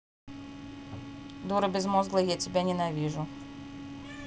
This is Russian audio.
дура безмозглая я тебя ненавижу